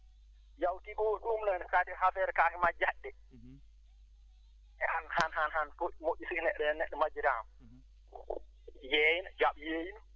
yawtii ko ɗum nene tawde affaire kaake majjatɗe e an han han moƴƴi si neɗɗo majjiraama yeeyna jaɓa yeeynu